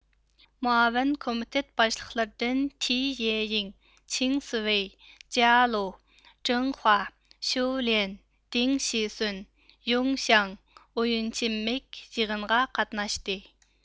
مۇئاۋىن كومىتېت باشلىقلىرىدىن تيېيىڭ چېڭسىۋېي جيالۇ جېڭخۇا شيۇليەن دىڭ شىسۈن يوڭشياڭ ئويۇنچېمىگ يىغىنغا قاتناشتى